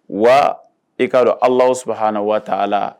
Wa i ka dɔn Alahu subahana watala